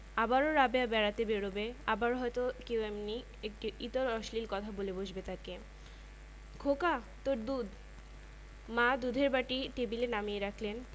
সে আমার কথা মন দিয়ে শুনলো কিছুক্ষণ ধরেই বালিশের গায়ে চাদর জড়িয়ে সে একটা পুতুল তৈরি করছিলো আমার কথায় তার ভাবান্তর হলো না পুতুল তৈরী বন্ধ রেখে লম্বা হয়ে বিছানায় শুয়ে পড়লো